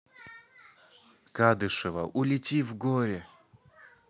кадышева улети в горе